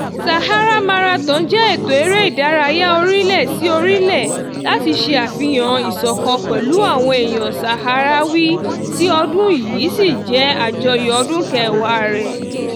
Sahara Marathon jẹ́ ètò eré ìdárayá orílẹ̀-sí-orílẹ̀ láti ṣe àfihàn ìṣọ̀kan pẹ̀lú àwọn èèyàn Saharawi tí ọdún yìí sì jẹ́ àjọyọ̀ ọdún kẹwàá rẹ̀.